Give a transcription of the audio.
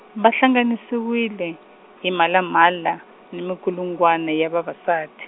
va hlanganisiwile, hi mhalamhala, ni minkulungwana ya vavasati.